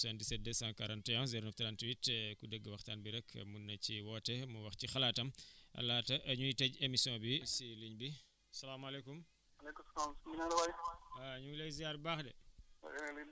kon ñu ngi koy sant moom Omar Watt fii ci Thièl kon si 77 241 09 38 ku dégg waxtaan bi rek mun na ci woote mu wax ci xalaatam laata ñuy tëj émission bi si ligne bi salaamaaleykum